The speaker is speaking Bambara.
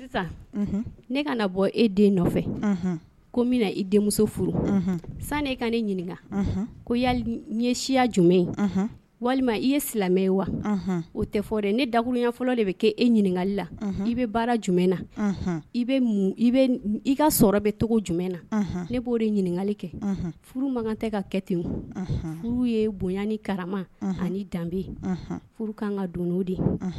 Ne bɔ i denmuso furu sani ka ɲininka siya jumɛn walima i ye silamɛ ye wa o tɛ fɔ dɛ ne dakurunya fɔlɔ de bɛ kɛ e ɲininkakali la i bɛ baara jumɛn na i i ka sɔrɔ bɛ to jumɛn na ne b' oo de ɲininkakali kɛ furu mankan kan tɛ ka kɛ ten furu ye bonya ni karama ani danbebe furu kan ka don o de